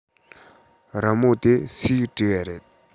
རི མོ དེ སུས བྲིས པ རེད